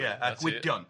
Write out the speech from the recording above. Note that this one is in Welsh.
Ie a Gwydion.